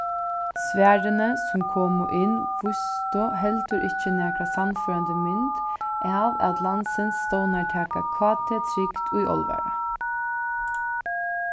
svarini sum komu inn vístu heldur ikki nakra sannførandi mynd av at landsins stovnar taka kt-trygd í álvara